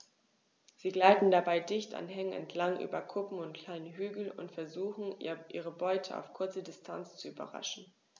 Sie gleiten dabei dicht an Hängen entlang, über Kuppen und kleine Hügel und versuchen ihre Beute auf kurze Distanz zu überraschen.